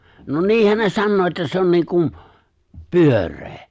no niinhän ne sanoo että se on niin kuin pyöreä